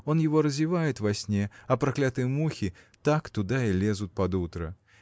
он его разевает во сне, а проклятые мухи так туда и лезут под утро.